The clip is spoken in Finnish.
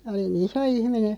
olin iso ihminen